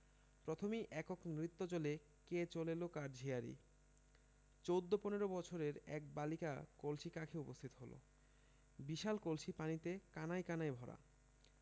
প্রথমেই একক নৃত্যজলে কে চলেলো কার ঝিয়ারি চৌদ্দ পনেরো বছরের এক বালিকা কলসি কাঁখে উপস্থিত হল বিশাল কলসি পানিতে কানায় কানায় ভরা